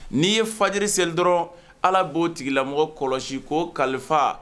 Nii ye faj seli dɔrɔn ala b'o tigila kɔlɔsi ko kalifa